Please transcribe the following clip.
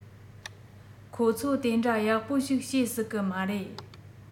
ཁོ ཚོ དེ འདྲ ཡག པོ ཞིག བྱེད སྲིད གི མ རེད